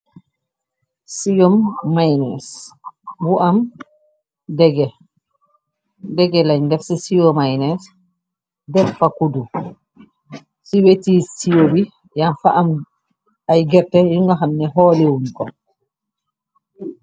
siyoo meynnaise bu am degeh degeh lenj def ci siyo meynnaise def fa kudou si weti siyoo bi yangfa am ay gerteh yinga ham holiwunjko